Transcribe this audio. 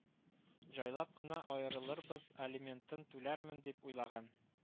Җайлап кына аерылырбыз, алиментын түләрмен дип уйлаган